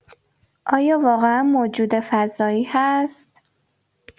آیا واقعا موجود فضایی هست؟